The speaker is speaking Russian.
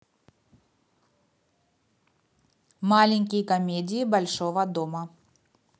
маленькие комедии большого дома